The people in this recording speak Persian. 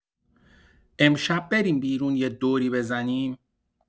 امشب بریم بیرون یه دوری بزنیم؟